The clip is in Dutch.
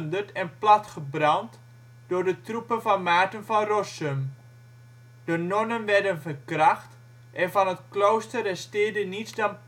werd Soest geplunderd en platgebrand door de troepen van Maarten van Rossum. De nonnen werden verkracht en van het klooster resteerde niets dan